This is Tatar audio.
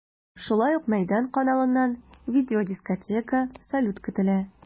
Шулай ук “Мәйдан” каналыннан видеодискотека, салют көтелә.